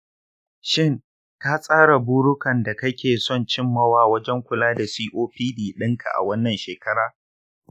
shin ka tsara burukan da kake son cimmawa wajen kula da copd ɗinka a wannan shekara?